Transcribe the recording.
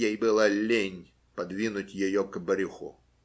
ей было лень подвинуть ее к брюху.